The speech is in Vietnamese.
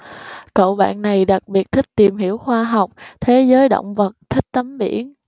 cậu bạn này đặc biệt thích tìm hiểu khoa học thế giới động vật thích tắm biển